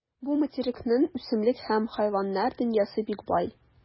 Бу материкның үсемлек һәм хайваннар дөньясы бик бай.